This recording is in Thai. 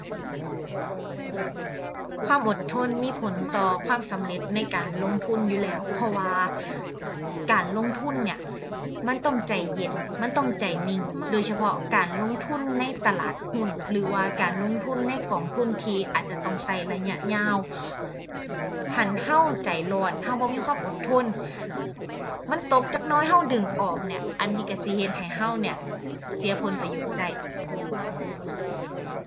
ความอดทนมีผลต่อความสำเร็จในการลงทุนอยู่แล้ว เพราะว่าการลงทุนเนี่ยมันต้องใจเย็น มันต้องใจนิ่ง โดยเฉพาะการลงทุนในตลาดหุ้นหรือว่าการลงทุนในกองทุนที่อาจจะต้องใช้ระยะยาว หั้นใช้ใจร้อน ใช้บ่มีความอดทน มันตกจักหน่อยใช้ดึงออกเนี่ย อันนี้ใช้สิเฮ็ดให้ใช้เนี่ยเสียผลประโยชน์ได้